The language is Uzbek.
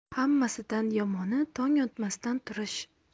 hammasidan yomoni tong otmasdan turish